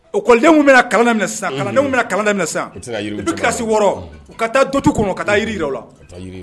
École den bɛna kalan daminɛ sisan kalandenw bɛna kalan daminɛ sisan, depuis classe wɔɔrɔ u ka taa kɔnɔ ka taa jiri jira u la.